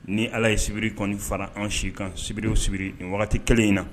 Ni ala ye sibiri kɔni fara an si kan sibieredonbiri waati kelen in na